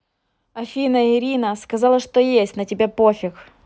афина ирина сказала что есть на тебя пофиг